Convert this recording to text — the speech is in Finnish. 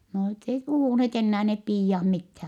no ne ei puhuneet enää ne piiat mitään